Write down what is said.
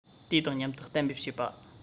དེ དང མཉམ དུ གཏན འབེབས བྱས པ